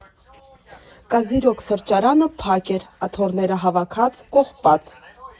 «Կազիրյոկ» սրճարանը փակ էր, աթոռները հավաքած֊կողպած։